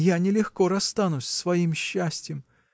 Я не легко расстанусь с своим счастьем.